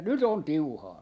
ja nyt on tiuhaa